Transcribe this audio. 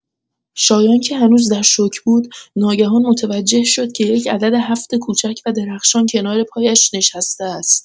شایان که هنوز در شوک بود، ناگهان متوجه شد که یک عدد ۷ کوچک و درخشان کنار پایش نشسته است.